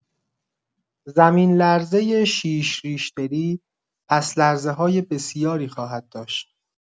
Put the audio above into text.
زمین‌لرزه ۶ ریش‌تری پس‌لرزه‌های بسیاری خواهد داشت.